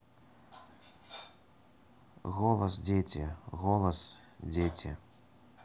голос дети голос дети